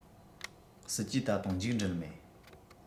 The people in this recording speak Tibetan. སྲིད ཇུས ད དུང མཇུག འགྲིལ མེད